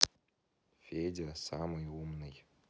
федя самый умный